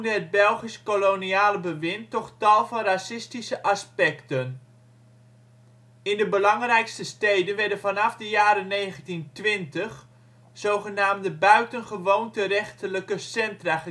het Belgische koloniale bewind toch tal van racistische aspecten. In de belangrijkste steden werden vanaf de jaren 1920 zogenaamde ' buiten-gewoonterechtelijke centra